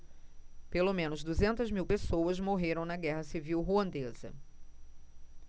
pelo menos duzentas mil pessoas morreram na guerra civil ruandesa